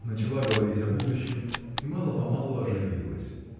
начала говорить о будущем и мало-помалу оживилась.